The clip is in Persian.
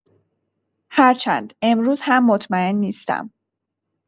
هر چند امروز هم مطمئن نیستم.